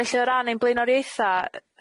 Felly o ran ein bleunorieutha